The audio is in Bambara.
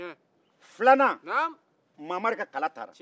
filanan mamari ka kala tara